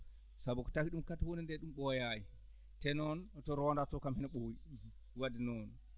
sabu ko taki ɗum kadi huunde ndee ɗum ɓooyaani te noon to roondato kam hene ɓooyi wadde noon